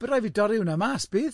Bydd rhaid fi dorri hwnna mas bydd?